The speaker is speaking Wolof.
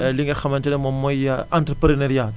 li nga xamante ne moom mooy entreprenariat